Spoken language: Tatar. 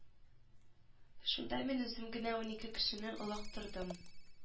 Шунда мин үзем генә унике кешене олактырдым